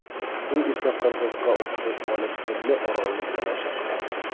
u esa qirg'oqqa o'tirib olib sirli orolni tomosha qilardi